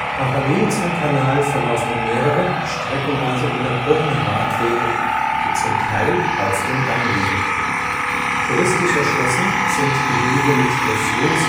Parallel zum Kanal verlaufen mehrere, streckenweise unterbrochene Radwege, die zum Teil auf dem Damm liegen. Touristisch erschlossen sind die Wege mit der Floßkanalroute